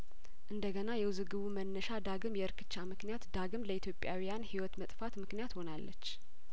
እንደ ገና የውዝግቡ መነሻ ዳግም የእርክቻ ምክንያት ዳግም ለኢትዮጵያውያን ህይወት መጥፋት ምክንያት ሆናለች